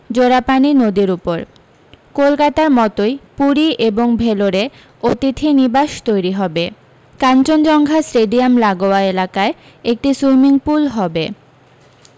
জোড়াপানি নদীর উপর কলকাতার মতোই পুরী এবং ভেলোরে অতিথি নিবাস তৈরী হবে কাঞ্চনজঙ্ঘা স্টেডিয়াম লাগোয়া এলাকায় একটি সুইমিং পুল হবে